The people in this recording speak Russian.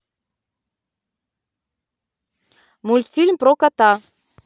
мультфильм про кота